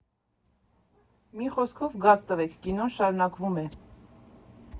Մի խոսքով, գազ տվեք, կինոն շարունակվում է՜։